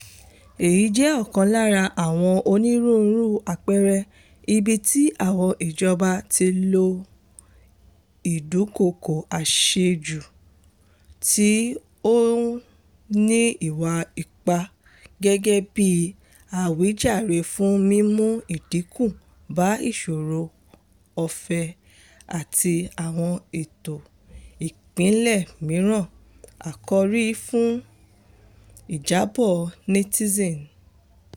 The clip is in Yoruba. Èyí jẹ́ ọ̀kan lára àwọn onírúurú àpẹẹrẹ ibi tí àwọn ìjọba ti lo ìdúkokò àṣejù tí ó ní ìwà ipá gẹ́gẹ́ bí àwíjàre fún mímú àdínkù bá ìsọ̀rọ̀ ọ̀fẹ́ àti àwọn ètò ìpìlẹ̀ mìíràn-àkòrí fún ìjábọ̀ Netizen.